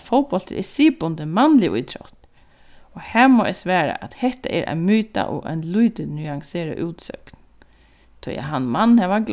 at fótbóltur er siðbundin mannlig ítrótt og har má eg svara at hetta er ein myta og ein lítið nuanserað útsøgn tí hann man hava